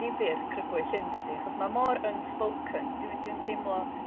ddifyr crybwyll hyn dydi achos ma' mor unspoken dwi dwi'n teimlo